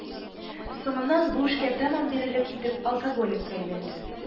Соңыннан, бу эшкә тәмам бирелеп китеп, алкоголикка әйләнде